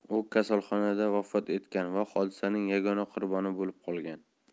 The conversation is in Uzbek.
u kasalxonada vafot etgan va hodisaning yagona qurboni bo'lib qolgan